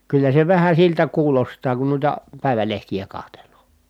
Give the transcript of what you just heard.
kyllä se vähän siltä kuulostaa kun noita päivälehtiä katselee